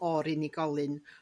o'r unigolyn,